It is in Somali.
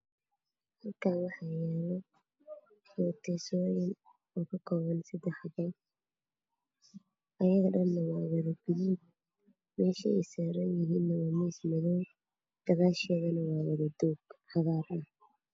Halkan waxyalo rotoyin oo kakoban sedax xabo waan wada gadud mesh ery sayanyahin waa miis madow gadashed waa wadadog